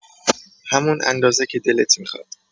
همون اندازه که دلت می‌خواد.